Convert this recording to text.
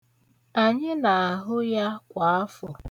Anyị na-ahụ ya kwa afọ.